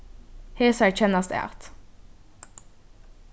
hesar kennast at